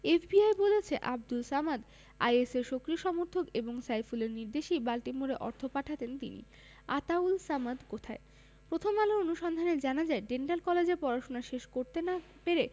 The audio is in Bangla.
এফবিআই বলছে আবদুল সামাদ আইএসের সক্রিয় সমর্থক এবং সাইফুলের নির্দেশেই বাল্টিমোরে অর্থ পাঠাতেন তিনি আতাউল সামাদ কোথায় প্রথম আলোর অনুসন্ধানে জানা যায় ডেন্টাল কলেজে পড়াশোনা শেষ করতে না পেরে